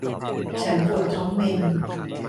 ฉันปวดท้องเมนส์